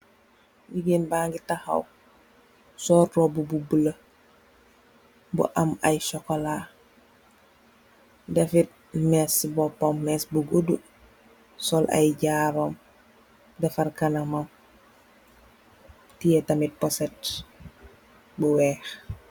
Gigeen ba ngi taxaw sol róbbu bu bula bu am ay sokola, def fit més ci bópam bi més bu guddu sol ay jaru am defarr kanamam teyeh tamid poset bu weekh.